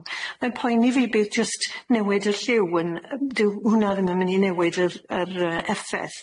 Mae'n poeni fi bydd jyst newid y lliw yn yy, dyw hwnna ddim yn myn' i newid yr yr yy effeth.